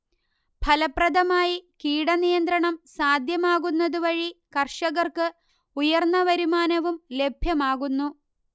ഫലപ്രദമായി കീടനിയന്ത്രണം സാധ്യമാകുന്നതുവഴി കർഷകർക്ക് ഉയർന്ന വരുമാനവും ലഭ്യമാകുന്നു